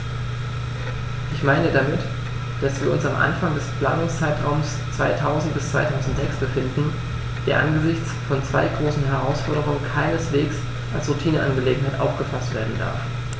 Ich meine damit, dass wir uns am Anfang des Planungszeitraums 2000-2006 befinden, der angesichts von zwei großen Herausforderungen keineswegs als Routineangelegenheit aufgefaßt werden darf.